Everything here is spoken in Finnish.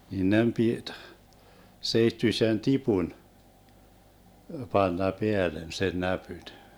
niin niiden piti seittyisen tipun panna päälle sen näpyn